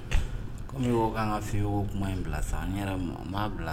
Kɔmi i ko k'an ka feuille ko kuma in bila sa n yɛrɛ n b'a bila